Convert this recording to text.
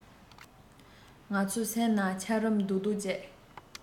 ང ཚོའི སེམས ན ཆབ རོམ རྡོག རྡོག གཅིག